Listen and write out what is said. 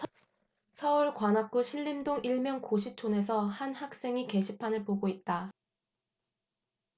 서울 관악구 신림동 일명 고시촌에서 한 학생이 게시판을 보고 있다